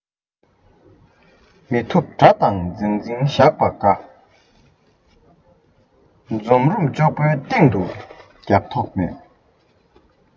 མི ཐུབ དགྲ དང འཛིང འཛིང བཞག པ དགའ མཛོག རུམ གཙག བུའི སྟེང དུ རྒྱག མདོག མེད